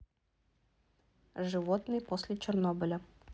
животные после чернобыля